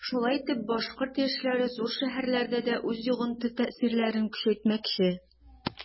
Шулай итеп башкорт яшьләре зур шәһәрләрдә дә үз йогынты-тәэсирен көчәйтмәкче.